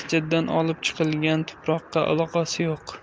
masjiddan olib chiqilgan tuproqqa aloqasi yo'q